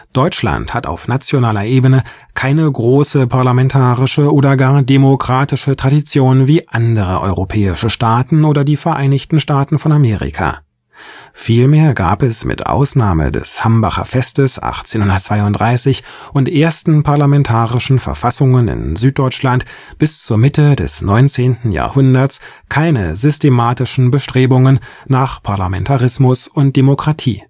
Deutschland hat auf nationaler Ebene keine große parlamentarische oder gar demokratische Tradition wie andere europäische Staaten oder die Vereinigten Staaten von Amerika. Vielmehr gab es mit Ausnahme des Hambacher Festes 1832 und ersten parlamentarischen Verfassungen in Süddeutschland bis zur Mitte des 19. Jahrhunderts keine systematischen Bestrebungen nach Parlamentarismus und Demokratie